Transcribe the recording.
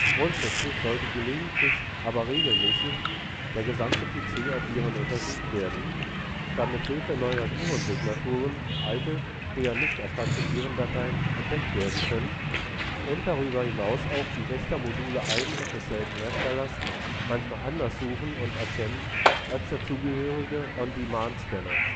Grundsätzlich sollte gelegentlich, aber regelmäßig der gesamte PC auf Viren untersucht werden, da – mit Hilfe neuer Virensignaturen – alte, früher nicht erkannte Virendateien entdeckt werden können und darüber hinaus auch die „ Wächtermodule “ein und desselben Herstellers manchmal anders suchen und erkennen als der zugehörige On-Demand-Scanner